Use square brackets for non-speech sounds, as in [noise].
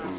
[hesitation] [hesitation]